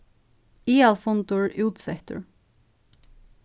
aðalfundur útsettur